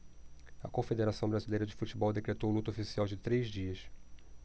a confederação brasileira de futebol decretou luto oficial de três dias